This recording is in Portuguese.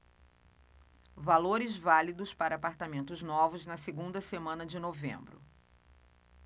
valores válidos para apartamentos novos na segunda semana de novembro